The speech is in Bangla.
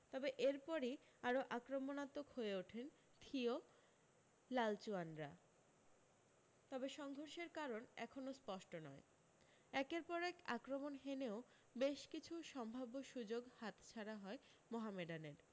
তবে এরপরি আরও আক্রমনাত্মক হয়ে ওঠেন থিও লালচুয়ানরা তবে সংঘর্ষের কারণ এখনও স্পষ্ট নয় একের পর এক আক্রমণ হেনেও বেশ কিছু সম্ভাব্য সু্যোগ হাতছাড়া হয় মোহামেডানের